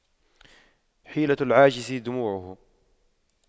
حيلة العاجز دموعه